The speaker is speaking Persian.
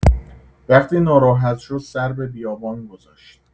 وقتی ناراحت شد سر به بیابان گذاشت.